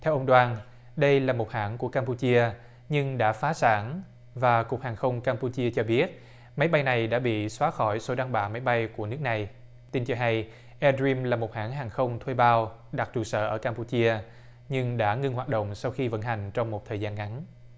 theo ông đoàn đây là một hãng của cam pu chia nhưng đã phá sản và cục hàng không cam pu chia cho biết máy bay này đã bị xóa khỏi sổ đăng bạ máy bay của nước này tin cho hay e ruym là một hãng hàng không thuê bao đặt trụ sở ở cam pu chia nhưng đã ngưng hoạt động sau khi vận hành trong một thời gian ngắn